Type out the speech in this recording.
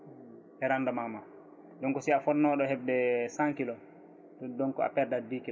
e rendemant ma ɗum ko si a fonnoɗo hebde cents kilos donc a perdat dix kilos